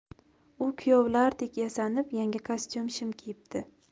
u kuyovlardek yasanib yangi kostum shim kiyibdi